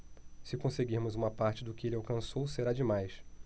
se conseguirmos uma parte do que ele alcançou será demais